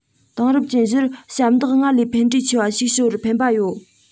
དེང རབས ཅན བཞིར ཞབས འདེགས སྔར ལས ཕན འབྲས ཆེ བ ཞིག ཞུ བར ཕན པ ཡོད